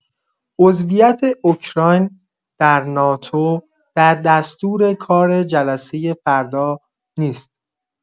عضویت اوکراین در ناتو در دستورکار جلسه فردا نیست.